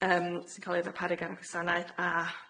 yym sy'n ca'l i ddarparu gan y gwasanaeth a